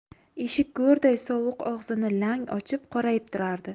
eshik go'rday sovuq og'zini lang ochib qorayib turardi